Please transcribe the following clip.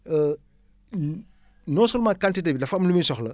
non seulement quantité bi dafa am lu muy soxla